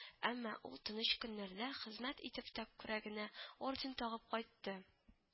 Әмма ул тыныч көннәрдә хезмәт итеп тә күкрәгенә орден тагып кайтты